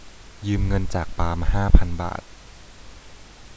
ยืมเงินจากปาล์มห้าพันบาท